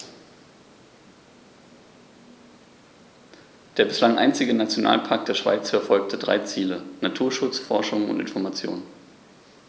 Der bislang einzige Nationalpark der Schweiz verfolgt drei Ziele: Naturschutz, Forschung und Information.